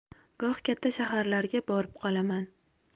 goh katta shaharlarga borib qolaman